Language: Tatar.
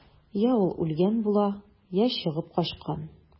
Йә ул үлгән була, йә чыгып качкан.